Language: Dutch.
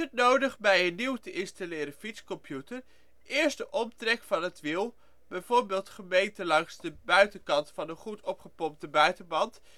nodig bij een nieuw te installeren fietscomputer eerst de omtrek van het wiel, bijvoorbeeld gemeten langs de buitenkant van een goed opgepompte buitenband